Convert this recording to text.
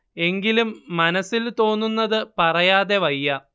എങ്കിലും മനസ്സിൽ തോന്നുന്നത് പറയാതെ വയ്യ